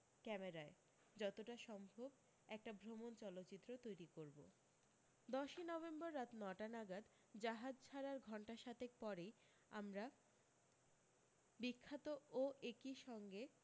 ক্যামেরায় যতটা সম্ভব একটি ভ্রমণ চলচিত্র তৈরী করব দশই নভেম্বর রাত নটা নাগাদ জাহাজ ছাড়ার ঘণ্টা সাতেক পরেই আমরা বিখ্যাত ও একি সঙ্গে